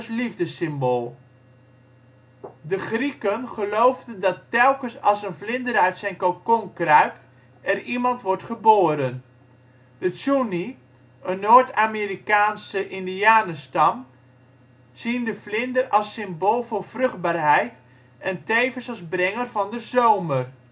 liefdessymbool. De Grieken geloofden dat telkens als een vlinder uit zijn cocon kruipt er iemand wordt geboren. De Zuni, een Noord-Amerikaanse indianenstam, zien de vlinder als symbool voor vruchtbaarheid en tevens als brenger van de zomer